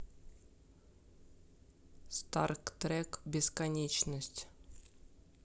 стартрек бесконечность